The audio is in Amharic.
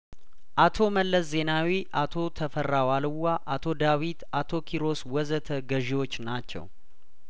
አቶ መለስ ዜናዊ አቶ ተፈራዋልዋ አቶ ዳዊት አቶ ኪሮስ ወዘተ ገዢዎች ናቸው